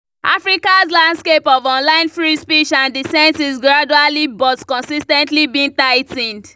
Africa’s landscape of online free speech and dissent is gradually, but consistently, being tightened.